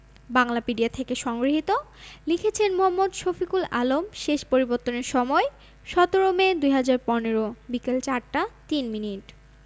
বাংলাপিডিয়া থেকে সংগ্রহীত লিখেছেন মোঃ শফিকুল আলম শেষ পরিবর্তনের সময়ঃ ১৭ মে ২০১৫ বিকেল ৪টা ৩ মিনিট